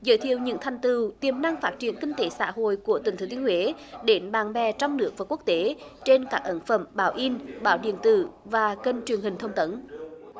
giới thiệu những thành tựu tiềm năng phát triển kinh tế xã hội của tỉnh thừa thiên huế đến bạn bè trong nước và quốc tế trên các ấn phẩm báo in báo điện tử và kênh truyền hình thông tấn